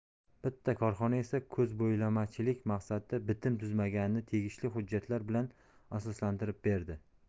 bitta korxona esa ko'zbo'yamachilik maqsadida bitim tuzmaganini tegishli hujjatlar bilan asoslantirib berdi